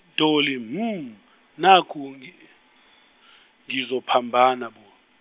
Dolly mmm nakhu ngi- ngizophambana bo.